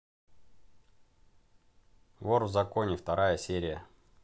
вор в законе вторая серия